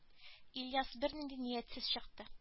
Ильяс бернинди ниятсез чыкты